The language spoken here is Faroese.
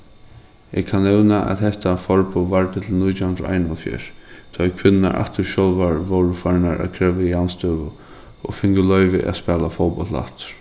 eg kann nevna at hetta forboð vardi til nítjan hundrað og einoghálvfjerðs tá ið kvinnurnar aftur sjálvar vóru farnar at krevja javnstøðu og fingu loyvi at spæla fótbólt aftur